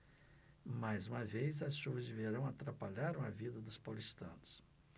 mais uma vez as chuvas de verão atrapalharam a vida dos paulistanos